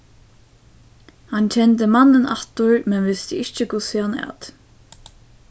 hann kendi mannin aftur men visti ikki hvussu hann æt